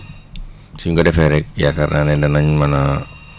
suñ ko defee rek yaakaar naa ne danañ mën a